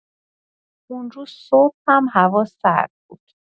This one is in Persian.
اون روز صبح هم هوا سرد بود.